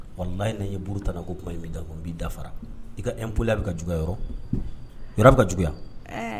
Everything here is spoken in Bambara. Wala ne ye buru ta ko kuma in bɛ da n b'i dafara i ka epolila bɛ ka juguyayɔrɔ yɔrɔ bɛ ka juguya